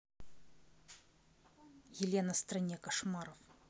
елена стране кошмаров